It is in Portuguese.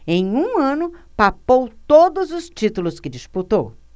em um ano papou todos os títulos que disputou